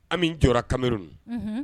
Anm, n jɔra Kamerun.